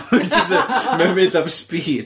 Mae o jyst yn... mae o'n mynd am speed!